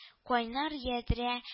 Кайнар ядрә